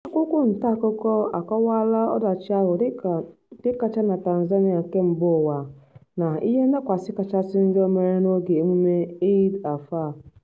Akwụkwọ ntaakụkọ akọwalaa ọdachị ahụ dịka "nke kachasị na Tanzania kemgbe ụwa" na "ihe ndakwasị kachasị njọ mere n'oge emume Eid al-Fitr."